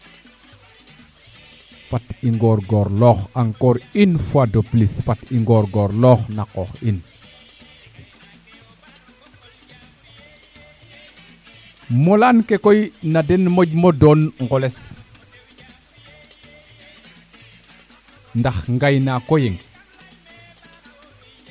fat i ngoor goorloox encore une fois de plus faf i ngoor ngorloox na qoox in mo laan ke koy na den moƴ mo doon ngoles ndax ngay naako yeng